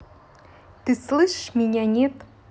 ты слышишь меня нет